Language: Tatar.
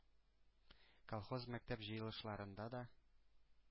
Колхоз, мәктәп җыелышларында да,